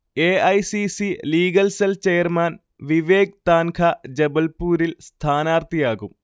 A. I. C. C. Legal cell chairman Vivek Tankha ജബൽപൂരിൽ സ്ഥാനാർഥിയാകും